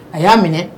A y'a minɛ